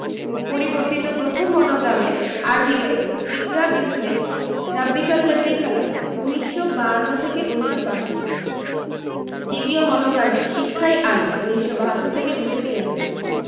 পরিবর্তিত প্রথম মনোগ্রামে আরবিতে ইকরা বিস্মে রাবিবকাল লাজি খালাক্ক ১৯৫২ থেকে ১৯৭২ দ্বিতীয় মনোগ্রামে শিক্ষাই আলো ১৯৭২ থেকে ১৯৭৩